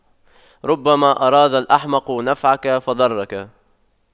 ربما أراد الأحمق نفعك فضرك